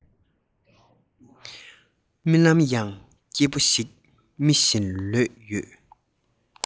རྨི ལམ ཡང སྐྱིད པོ ཞིག རྨི བཞིན ལོས ཡོད